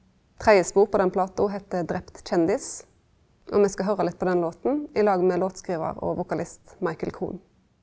tredjespor på den plata heitte Drept kjendis og me skal høyra litt på den låten i lag med låtskrivar og vokalist Michael Krohn.